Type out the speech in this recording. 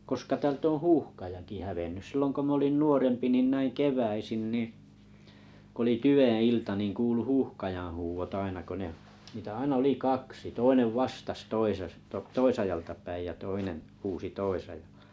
koska täältä on huuhkajakin hävinnyt silloin kun minä olin nuorempi niin näin keväisin niin kun oli tyven ilta niin kuului huuhkajan huudot aina kun ne niitä aina oli kaksi toinen vastasi - toisesta toisaalta päin ja toinen huusi toisaalla